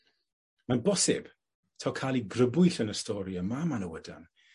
Ma'n bosib taw ca'l 'i grybwyll yn y stori y ma' Manawydan